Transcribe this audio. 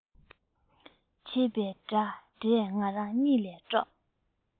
བྱེད པའི སྒྲས ང རང གཉིད ལས དཀྲོགས